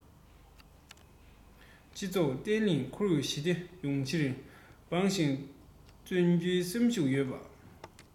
སྤྱི ཚོགས བརྟན ལྷིང ཁོར ཡུག ཞི བདེ ཡོང ཕྱིར འབད ཅིང བརྩོན རྒྱུའི སེམས ཤུགས ཡོད པ